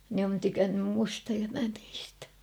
ne on tykännyt minusta ja minä niistä